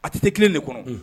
A tɛ kelen de kɔnɔ